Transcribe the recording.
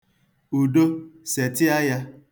Udo, setịa ya.